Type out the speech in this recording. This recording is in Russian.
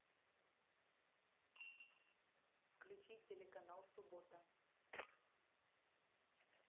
включи телеканал суббота